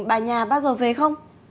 bà nhà bao giờ về không